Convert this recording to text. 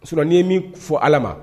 Sinon ni ye min k fɔ Ala ma